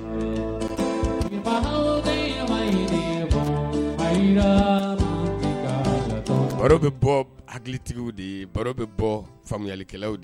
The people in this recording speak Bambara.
baro be bɔɔ hakilitigiw de ye baro be bɔɔ faamuyalikɛlaw d